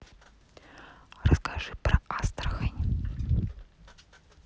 расскажи про астрахань